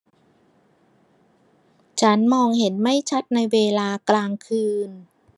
ฉันมองเห็นไม่ชัดในเวลากลางคืน